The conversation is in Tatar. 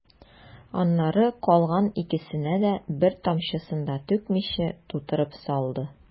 Аннары калган икесенә дә, бер тамчысын да түкмичә, тутырып салды.